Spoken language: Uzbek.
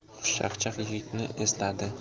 xushchaqchaq yigitni esladi